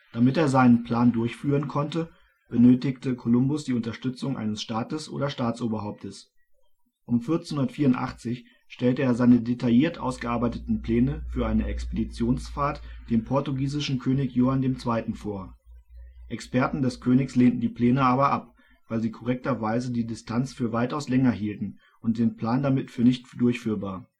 Damit er seinen Plan durchführen konnte, benötigte Kolumbus die Unterstützung eines Staates oder Staatsoberhauptes. Um 1484 stellte er seine detailliert ausgearbeiteten Pläne für eine Expeditionsfahrt dem portugiesischen König Johann II. vor. Experten des Königs lehnten die Pläne aber ab, weil sie korrekterweise die Distanz für weitaus länger hielten und den Plan damit für nicht durchführbar